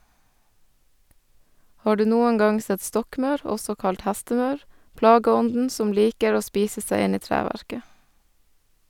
Har du noen gang sett stokkmaur, også kalt hestemaur, plageånden som liker å spise seg inn i treverket?